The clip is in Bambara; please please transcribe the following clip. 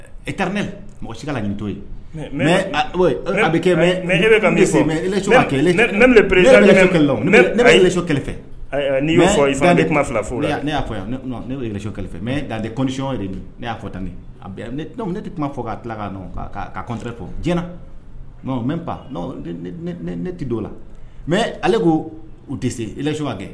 E taara ne mɔgɔ si ka ninmi to yen mɛ bɛ kɛ ne mɛ ka kelen ne ne bɛso kɛlɛ fɛ n'i y fɔ i ne fila fo la ne y'a yan neso fɛ mɛ dan tɛ kɔnsiyɔn yɛrɛ don ne y'a fɔ tan ne tɛ tun fɔ k' tila ka nɔ'tɛ fɔ diɲɛ n n pan n ne tɛ dɔw la mɛ ale ko u de eso' kɛ